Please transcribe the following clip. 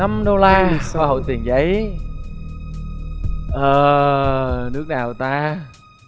năm đô la loại hoa hậu tiền giấy ờ nước nào ta